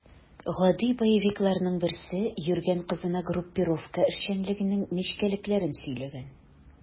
Гади боевикларның берсе йөргән кызына группировка эшчәнлегенең нечкәлекләрен сөйләгән.